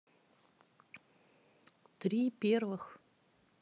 три первых